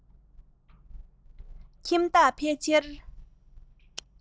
ཁྱིམ བདག ཕལ ཆེར